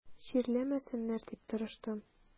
Чирләмәсеннәр дип тырыштым.